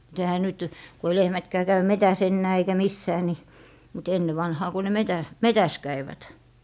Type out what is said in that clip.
mutta eihän nyt kun ei lehmätkään käy metsässä enää eikä missään niin mutta ennen vanhaan kun ne - metsässä kävivät